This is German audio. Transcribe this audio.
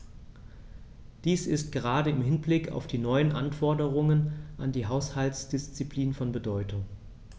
Dies ist gerade im Hinblick auf die neuen Anforderungen an die Haushaltsdisziplin von Bedeutung.